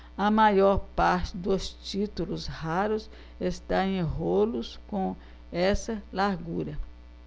a maior parte dos títulos raros está em rolos com essa largura